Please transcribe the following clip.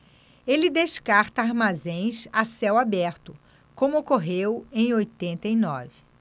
ele descarta armazéns a céu aberto como ocorreu em oitenta e nove